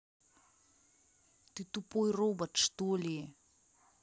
ты тупой робот что ли